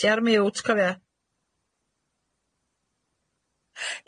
Ti ar mute cofia?